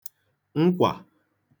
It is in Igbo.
nkwà